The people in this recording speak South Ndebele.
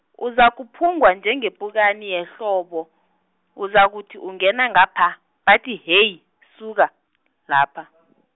uzakuphungwa njengepukani yehlobo, uzakuthi ungena ngapha, bathi heyi, suka, lapha .